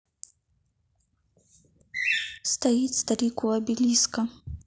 стоит старик у обелиска